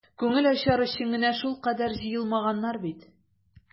Күңел ачар өчен генә шулкадәр җыелмаганнар бит.